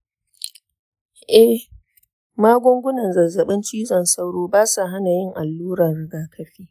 eh, magungunan zazzabin cizon sauro ba sa hana yin alluran rigakafi.